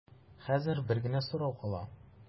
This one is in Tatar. Хәзер бер генә сорау кала.